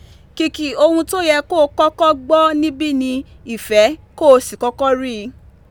Kìkì ohun tó yẹ kó o kọ́kọ́ gbọ́ níbí ni ìfẹ́ kó o sì kọ́kọ́ rí i.